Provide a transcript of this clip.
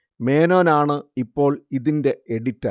മേനോനാണ് ഇപ്പോൾ ഇതിന്റെ എഡിറ്റർ